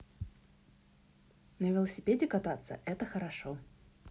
на велосипеде кататься это хорошо